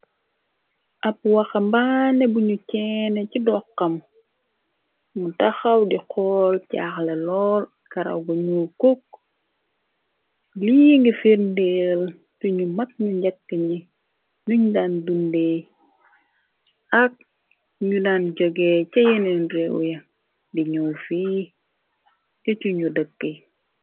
Ab waxambaane buñu chenne ci doxxam mu taxaw di xool jaax la lool karagu ñyul cook lii ngi firndeel tuñu mag ñu njekke yi nuñ daan dundeey ak ñu daan jogee ca yeneen réew ya di ñool fii te cu ñu dëkki.